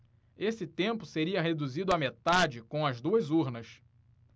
esse tempo seria reduzido à metade com as duas urnas